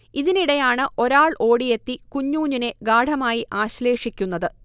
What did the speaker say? ഇതിനിടെയാണ് ഒരാൾ ഓടിയെത്തി കുഞ്ഞൂഞ്ഞിനെ ഗാഢമായി ആശ്ളേഷിക്കുന്നത്